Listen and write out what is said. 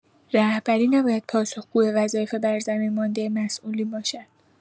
رهبری نباید پاسخگوی وظایف بر زمین مانده مسئولین باشد.